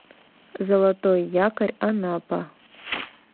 золотой якорь анапа